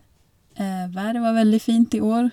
Været var veldig fint i år.